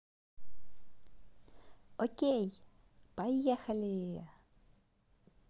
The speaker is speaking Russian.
окей поехали